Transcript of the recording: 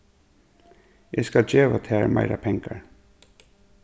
eg skal geva tær meira pengar s